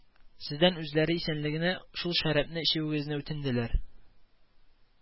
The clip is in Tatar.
Сездән үзләре исәнлегенә шул шәрабны эчүегезне үтенделәр